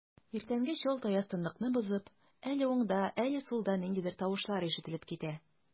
Иртәнге чалт аяз тынлыкны бозып, әле уңда, әле сулда ниндидер тавышлар ишетелеп китә.